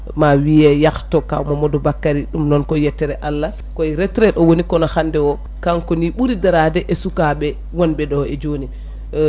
ma wiiye yaah to kaw Mamadou Bakary ɗum noon ko yettere Allah koye retrite o woni kono hande o kanko ni ɓuuri daarade e sukaɓe wonɓe ɗo e joni